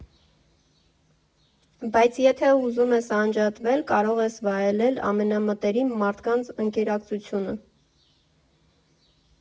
Բայց եթե ուզում ես անջատվել՝ կարող ես վայելել ամենամտերիմ մարդկանց ընկերակցությունը։